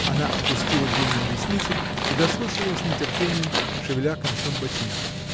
Она опустила длинные ресницы и дослушивала с нетерпением, шевеля концом ботинки.